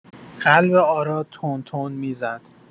قلب آراد تند تند می‌زد.